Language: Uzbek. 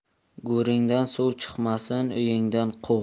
go'ringdan suv chiqmasin uyingdan quv